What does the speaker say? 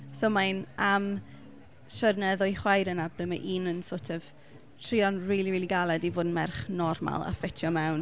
So mae'n am siwrne y ddwy chwaer yna ble mae un yn sort of trio'n rili rili galed i fod yn merch normal a ffitio mewn.